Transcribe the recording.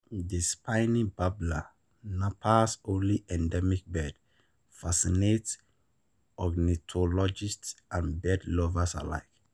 The Spiny Babbler, Nepal's only endemic bird, fascinates ornithologists and bird lovers alike